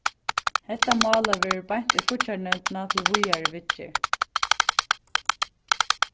hetta málið verður beint í fíggjarnevndina til víðari viðgerð